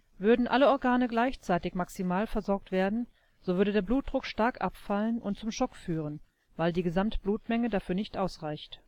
Würden alle Organe gleichzeitig maximalversorgt werden, so würde der Blutdruck stark abfallen und zum Schock führen, weil die Gesamtblutmenge dafür nicht ausreicht